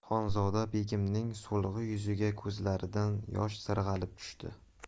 xonzoda begimning so'lg'in yuziga ko'zlaridan yosh sirg'alib tushdi